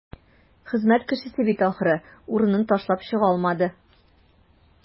Хезмәт кешесе бит, ахры, урынын ташлап чыга алмады.